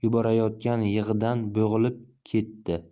yuborayotgan yig'idan bo'g'ilib ketdi